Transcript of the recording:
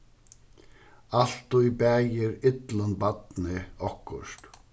altíð bagir illum barni okkurt